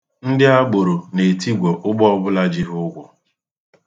Ndị agboro na-etigwo ụgbọ ọbụla ji ha ụgwọ